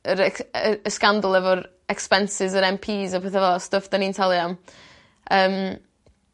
yr ex- yy y sgandal efo'r expences yr Emm Pees a petha fel 'a y stwff 'dyn ni'n talu am yym